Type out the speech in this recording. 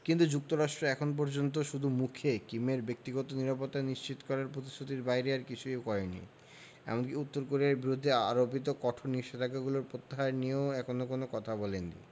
কিন্তু যুক্তরাষ্ট্র এখন পর্যন্ত শুধু মুখে কিমের ব্যক্তিগত নিরাপত্তা নিশ্চিত করার প্রতিশ্রুতির বাইরে আর কিছুই করেনি এমনকি উত্তর কোরিয়ার বিরুদ্ধে আরোপিত কঠোর নিষেধাজ্ঞাগুলো প্রত্যাহার নিয়েও কোনো কথা এখনো বলেনি